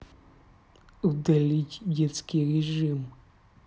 удалить детский режим